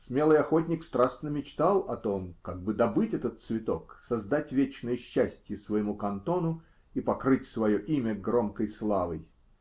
Смелый охотник страстно мечтал о том, как бы добыть этот цветок, создать вечное счастье своему кантону и покрыть свое имя громкой славой.